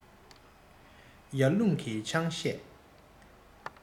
ཡར ཀླུང གིས ཆང གཞས